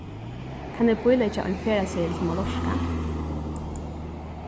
kann eg bíleggja ein ferðaseðil til mallorka